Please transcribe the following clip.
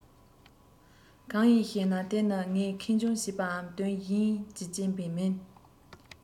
གང ཡིན ཞེ ན དེ ནི ངས ཁེངས སྐྱུང བྱས པའམ དོན གཞན གྱི རྐྱེན པས མིན